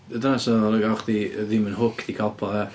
Dyna sut oeddan nhw'n gael chdi ddim yn hooked i Calpol, ia?